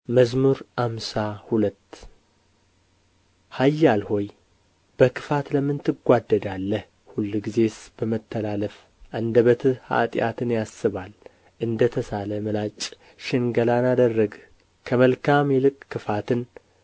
መዝሙር ሃምሳ ሁለት ኃያል ሆይ በክፋት ለምን ትጓደዳለህ ሁልጊዜስ በመተላለፍ አንደበትህ ኃጢአትን ያስባል እንደ ተሳለ ምላጭ ሽንገላን አደረግህ ከመልካም ይልቅ ክፋትን